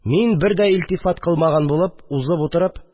Мин, бер дә илтифат кылмаган булып, узып утырып